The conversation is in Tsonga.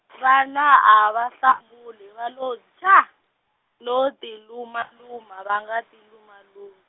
vana a va hlamula va lo nchaa, no tilumaluma va nga tilumalumi.